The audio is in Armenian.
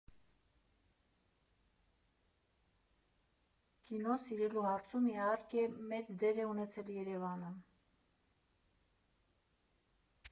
Կինո սիրելու հարցում, իհարկե, մեծ դեր է ունեցել Երևանը։